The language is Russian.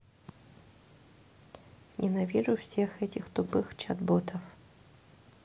ненавижу всех этих тупых чат ботов